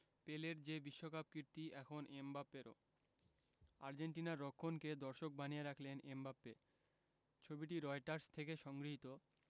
পেলের যে বিশ্বকাপ কীর্তি এখন এমবাপ্পেরও আর্জেন্টিনার রক্ষণকে দর্শক বানিয়ে রাখলেন এমবাপ্পে ছবিটি রয়টার্স থেকে সংগৃহীত